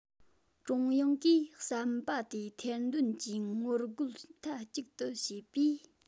ཀྲུང དབྱང གིས བསམ པ དེ ཐེར འདོན གྱིས ངོ རྒོལ མཐའ གཅིག ཏུ བྱས པས